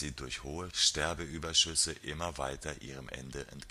durch hohe Sterbeüberschüsse immer weiter ihrem Ende